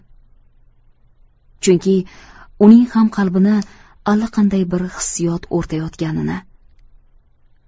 chunki uning ham qalbini allaqanday bir hissiyot o'rtayotganini